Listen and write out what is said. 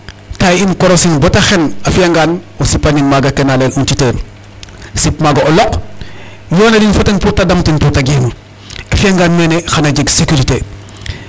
Taye'in korosin ba ta xen a fi'angaan o sipanin maaga kene layel un tuteur .Sip maaga o loq yonanin fo den pour te damtin pour ta geenu a fi'angaan mene xan ta jeg securité.